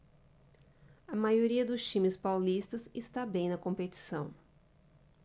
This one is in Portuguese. a maioria dos times paulistas está bem na competição